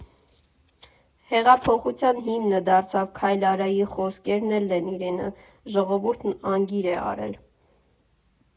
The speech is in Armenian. Հեղափոխության հիմնը դարձած «Քայլ արա»֊ի խոսքերն էլ են իրենը, ժողովուրդն անգիր է արել։